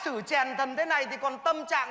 xử chèn thần thế này thì còn tâm trạng